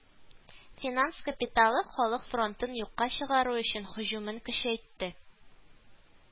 Финанс капиталы Халык фронтын юкка чыгару өчен һөҗүмен көчәйтте